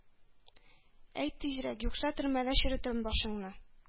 Йт тизрәк, юкса төрмәдә черетәм башыңны!